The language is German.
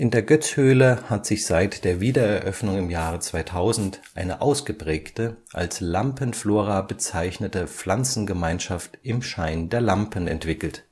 der Goetz-Höhle hat sich seit der Wiedereröffnung im Jahre 2000 eine ausgeprägte, als Lampenflora bezeichnete Pflanzengemeinschaft im Schein der Lampen entwickelt